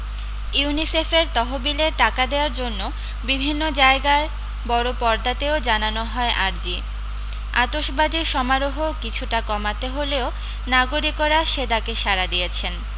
ইউনিসেফের তহবিলে টাকা দেওয়ার জন্য বিভিন্ন জায়গায় বড় পর্দাতেও জানানো হয় আর্জি আতসবাজীর সমারোহ কিছুটা কমাতে হলেও নাগরিকরা সে ডাকে সাড়া দিয়েছেন